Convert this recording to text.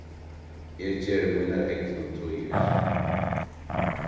eg geri mínar egnu tíðir